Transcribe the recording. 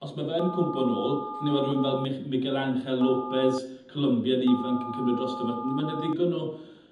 os ma' fe yn cwmpo nôl allen i weld rywun Mich- Miguel Ángel López Colymbiad ifanc yn cymryd drosto ma' ma' 'na ddigon o